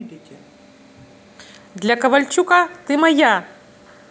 для ковальчука ты моя